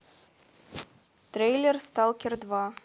трейлер сталкер два